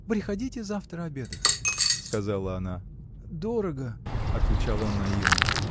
— Приходите завтра обедать, — сказала она. — Дорого! — отвечал он наивно.